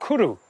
cwrw